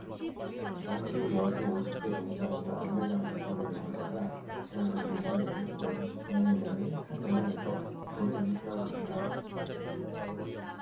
경기 여주 오십 대 농장주 암매장 사건의 용의자가 지난달 이십 육 일 여주시 북내면의 한 은행에서 돈을 인출하고 있다